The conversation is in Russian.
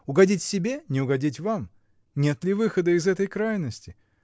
угодить себе — не угодить вам: нет ли выхода из этой крайности?